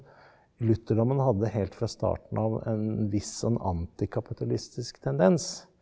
lutherdommen hadde helt fra starten av en viss sånn anti-kapitalistisk tendens.